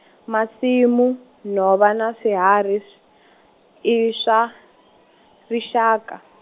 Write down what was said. masimu, nhova na swihari s-, i swa rixaka.